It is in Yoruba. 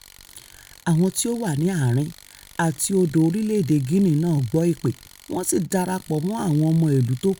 Àwọn tí ó wà ní Àárín àti Odò orílẹ̀ èdè Guinea náà gbọ́ ìpè, wọ́n sì darapọ̀ mọ́ àwọn ọmọ ìlú tó kù.